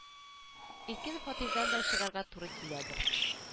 Иркен фатирдан да чыгарга туры киләдер